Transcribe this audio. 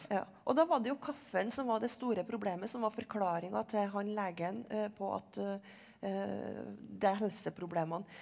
ja og da var det jo kaffen som var det store problemet som var forklaringa til han legen på at de helseproblemene.